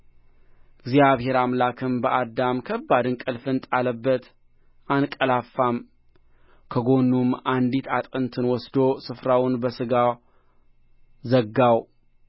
እግዚአብሔር አምላክም በአዳም ከባድ እንቅልፍን ጣለበት አንቀላፋም ከጎኑም አንዲት አጥንትን ወስዶ ስፍራውን በሥጋ ዘጋው